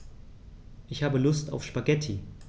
Ich habe Lust auf Spaghetti.